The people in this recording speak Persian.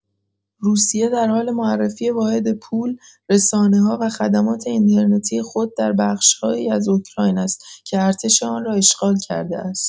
روسیه در حال معرفی واحد پول، رسانه‌ها و خدمات اینترنتی خود در بخش‌هایی از اوکراین است که ارتش آن را اشغال کرده است.